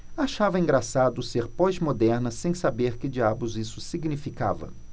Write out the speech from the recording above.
achava engraçado ser pós-moderna sem saber que diabos isso significava